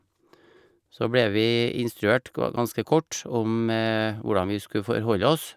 Så ble vi instruert kwa ganske kort om hvordan vi skulle forholde oss.